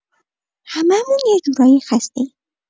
همه‌مون یه جورایی خسته‌ایم.